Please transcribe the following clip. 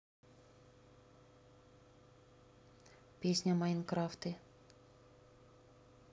песня майнкрафты